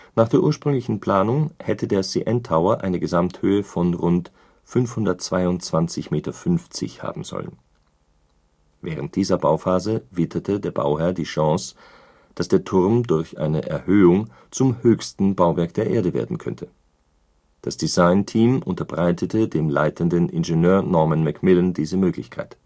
Nach der ursprünglichen Planung hätte der CN Tower eine Gesamthöhe von rund 522,5 Meter haben sollen. Während dieser Bauphase witterte der Bauherr die Chance, dass der Turm durch eine Erhöhung zum höchsten Bauwerk der Erde werden könnte. Das Designteam unterbreitete dem leitenden Ingenieur Norman McMillan diese Möglichkeit